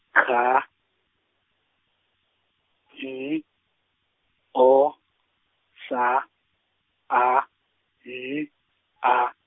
K, H, O, S, A, N, A.